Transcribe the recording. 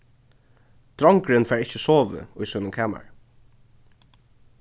drongurin fær ikki sovið í sínum kamari